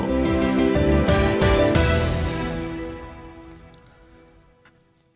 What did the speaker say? music